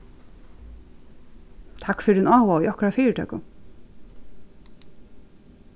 takk fyri tín áhuga í okkara fyritøku